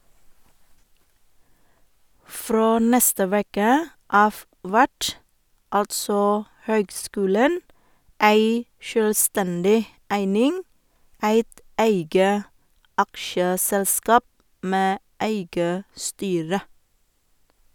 Frå neste veke av vert altså høgskulen ei sjølvstendig eining, eit eige aksjeselskap med eige styre.